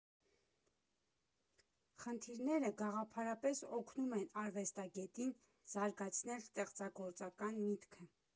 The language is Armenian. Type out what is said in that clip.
Խնդիրները գաղափարապես օգնում են արվեստագետին զարգացնել ստեղծագործական միտքը։